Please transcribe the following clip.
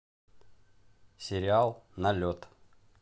сериал налет